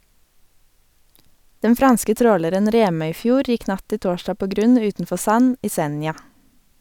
Den franske tråleren «Remøyfjord» gikk natt til torsdag på grunn utenfor Sand i Senja.